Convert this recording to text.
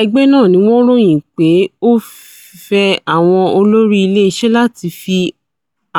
Ẹgbẹ́ náà ni wọn ròyin pé ó fẹ̵ àwọn olórí ilé iṣẹ́ láti fí